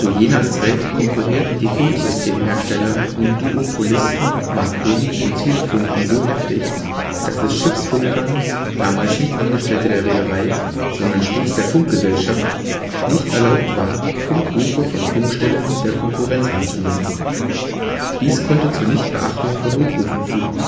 jener Zeit konkurrierten die Funksystemhersteller und Duopolisten Marconi und Telefunken so heftig, dass es Schiffsfunkern – damals nicht Angestellte der Reederei, sondern stets der Funkgesellschaft – nicht erlaubt war, Funkrufe von Funkstellen der Konkurrenz anzunehmen. Dies konnte zur Nichtbeachtung von Notrufen führen